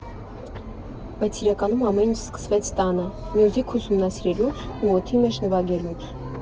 Բայց իրականում ամեն ինչ սկսեց տանը մյուզիք ուսումնասիրելուց ու օդի մեջ նվագելուց։